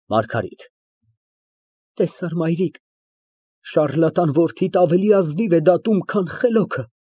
ՄԱՐԳԱՐԻՏ ֊ Տեսա՞ր, մայրիկ, շառլատան որդիդ ավելի ազնիվ է դատում, քան խելոքը։